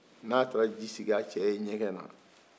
n'a taara ji sig'a cɛ ye ɲɛgɛna